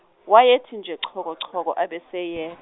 wayethi nje chokochoko abese ye.